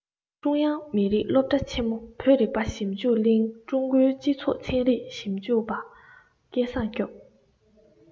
ཀྲུང དབྱང མི རིགས སློབ གྲྭ ཆེན མོ བོད རིག པ ཞིབ འཇུག གླིང ཀྲུང གོའི སྤྱི ཚོགས ཚན རིག གླིང ཞིབ འཇུག པ སྐལ བཟང སྐྱབས